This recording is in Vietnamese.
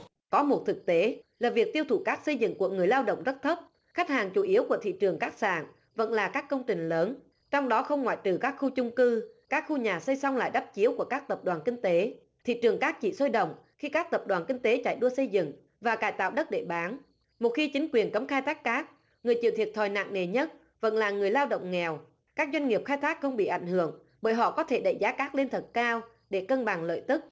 có một thực tế là việc tiêu thụ cát xây dựng của người lao động rất thấp khách hàng chủ yếu của thị trường các sàn vẫn là các công trình lớn trong đó không ngoại trừ các khu chung cư các khu nhà xây xong lại đắp chiếu của các tập đoàn kinh tế thị trường các chỉ sôi động khi các tập đoàn kinh tế chạy đua xây dựng và cải tạo đất để bán một khi chính quyền cấm khai thác cát người chịu thiệt thòi nặng nề nhất vẫn là người lao động nghèo các doanh nghiệp khai thác không bị ảnh hưởng bởi họ có thể đẩy giá cát lên thật cao để cân bằng lợi tức